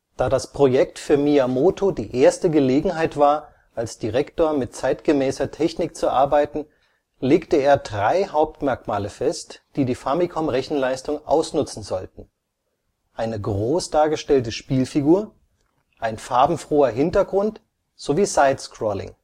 Da das Projekt für Miyamoto die erste Gelegenheit war, als Director mit zeitgemäßer Technik zu arbeiten, legte er drei Hauptmerkmale fest, die die Famicom-Rechenleistung ausnutzen sollten: Eine groß dargestellte Spielfigur, ein farbenfroher Hintergrund sowie Side-Scrolling